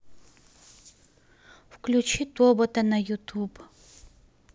включи тобота на ютуб